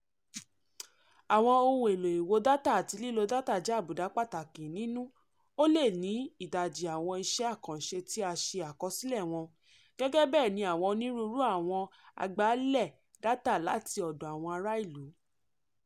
Àwọn ohun èlò ìwo dátà àti lílò dátà jẹ́ àbùdá pàtàkì nínú ó lé ní ìdajì àwọn iṣẹ́ àkànṣe tí a ṣe àkọsílẹ̀ wọn, gẹ́gẹ́ bẹ́ẹ̀ ni àwọn onírúurú àwọn àgbàálẹ̀ dátà láti ọ̀dọ̀ àwọn ará ìlú.